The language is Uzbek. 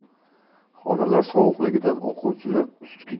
xonalar sovuqligidan o'quvchilar ustki